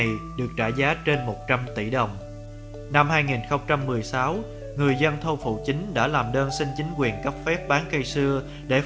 cây này được trả giá trên tỷ đồng năm người dân thôn phụ chính đã làm đơn xin chính quyền cấp phép bán cây sưa để phục vụ